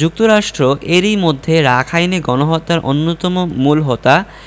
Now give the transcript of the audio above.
যুক্তরাষ্ট্র এরই মধ্যে রাখাইনে গণহত্যার অন্যতম মূল হোতা